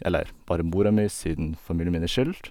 Eller bare mora mi siden familien min er skilt.